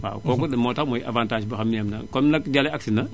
waaw kooku moo tax mooy avantage boo xam ne am na comme nag Jalle àggsi na